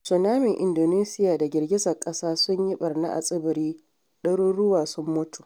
Tsunamin Indonesiya da Girgizar ƙasa sun yi ɓarna a Tsibiri, Ɗaruruwa Sun Mutu